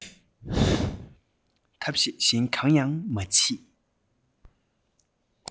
ཐབས ཤེས གཞན གང ཡང མ མཆིས